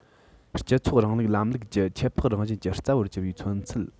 སྤྱི ཚོགས རིང ལུགས ལམ ལུགས ཀྱི ཁྱད འཕགས རང བཞིན གྱི རྩ བར གྱུར པའི མཚོན ཚུལ